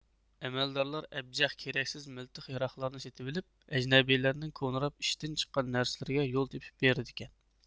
ئەمەلدارلار ئەبجەخ كېرەكسىز مىلتىق ياراغلارنى سېتىۋېلىپ ئەجنەبىيلەرنىڭ كونىراپ ئىشتىن چىققان نەرسىلىرىگە يول تېپىپ بېرىدىكەن